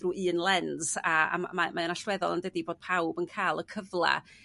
drw' un lens a ma' mae o'n allweddol dydi? Bo' pawb yn ca'l y cyfla